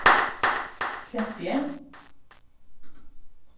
sleppi eg